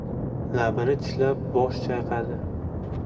labini tishlab bosh chayqadi